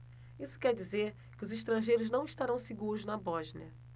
isso quer dizer que os estrangeiros não estarão seguros na bósnia